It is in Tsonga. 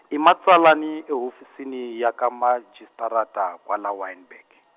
i matsalani ehofisini ya ka majisitarata kwala Wynberg .